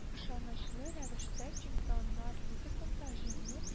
Ышанычлы рәвештә чемпионнар лигасында җиңү